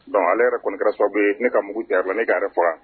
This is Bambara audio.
Don ale yɛrɛ kɔni kɛra sababu bɛ ne ka mugu diyara la ne' yɛrɛ fɔ